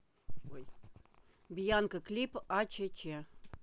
бьянка клип а че че